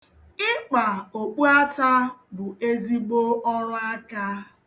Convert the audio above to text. Ịkpa okpuata bụ ezigbo ọrụ aka.